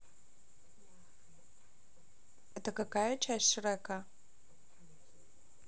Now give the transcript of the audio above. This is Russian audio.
это какая часть шрека